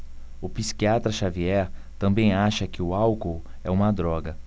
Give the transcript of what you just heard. o psiquiatra dartiu xavier também acha que o álcool é uma droga